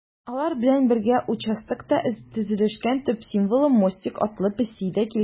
Алар белән бергә участокта төзелешнең төп символы - Мостик атлы песи дә килгән.